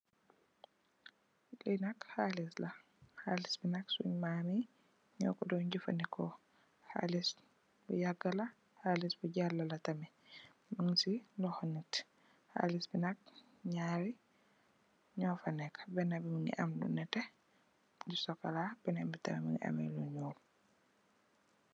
Lii nak xaalis la, xaalis bi sung maan nyoo ko daan jafendeko, xaalis bu yaaga la, xaalis bu jalla la tam... mung si... nyaari nyoo fa neeka, benen bi mu ngi am lu nette, lu sokolaa, benen bi tam mu ngi am lu nyuul.